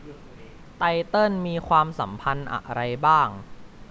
ไตเติ้ลมีความสัมพันธ์อะไรบ้าง